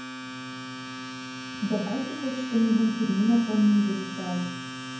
давай ты хоть что не вампирина по ним залетай